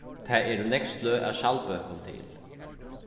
tað eru nógv sløg av skjaldbøkum til